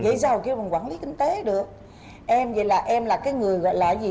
dậy sao mà kêu mình quản lý kinh tế được em dậy là em là cái người gọi là cái gì